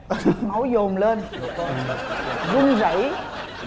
máu dồn lên run rẩy